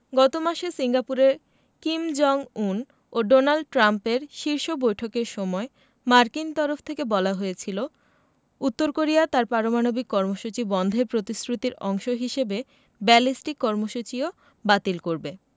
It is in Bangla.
গত মাসে সিঙ্গাপুরে কিম জং উন ও ডোনাল্ড ট্রাম্পের শীর্ষ বৈঠকের সময় মার্কিন তরফ থেকে বলা হয়েছিল উত্তর কোরিয়া তার পারমাণবিক কর্মসূচি বন্ধের প্রতিশ্রুতির অংশ হিসেবে ব্যালিস্টিক কর্মসূচিও বাতিল করবে